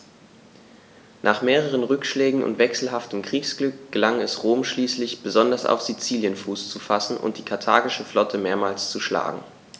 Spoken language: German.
Nach mehreren Rückschlägen und wechselhaftem Kriegsglück gelang es Rom schließlich, besonders auf Sizilien Fuß zu fassen und die karthagische Flotte mehrmals zu schlagen.